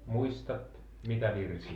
muistatko mitä virsiä